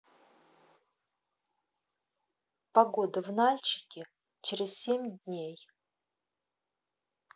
погода в нальчике через семь дней